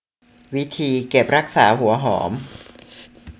วิธีเก็บรักษาหัวหอม